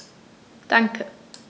Danke.